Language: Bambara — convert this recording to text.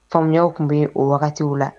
Faamuyayaw tun bɛ o wagatiw la